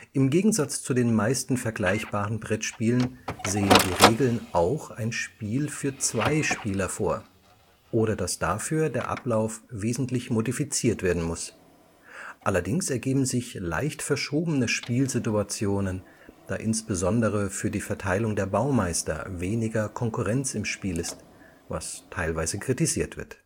Im Gegensatz zu den meisten vergleichbaren Brettspielen sehen die Regeln auch ein Spiel für zwei Spieler vor, ohne dass dafür der Ablauf wesentlich modifiziert werden muss. Allerdings ergeben sich leicht verschobene Spielsituationen, da insbesondere für die Verteilung der Baumeister weniger Konkurrenz im Spiel ist, was teilweise kritisiert wird